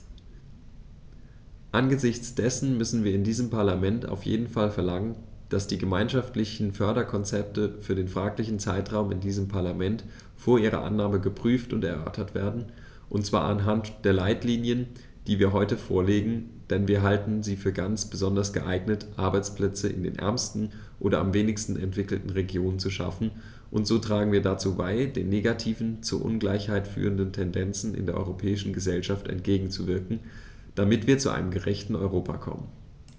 Angesichts dessen müssen wir in diesem Parlament auf jeden Fall verlangen, dass die gemeinschaftlichen Förderkonzepte für den fraglichen Zeitraum in diesem Parlament vor ihrer Annahme geprüft und erörtert werden, und zwar anhand der Leitlinien, die wir heute vorlegen, denn wir halten sie für ganz besonders geeignet, Arbeitsplätze in den ärmsten oder am wenigsten entwickelten Regionen zu schaffen, und so tragen wir dazu bei, den negativen, zur Ungleichheit führenden Tendenzen in der europäischen Gesellschaft entgegenzuwirken, damit wir zu einem gerechteren Europa kommen.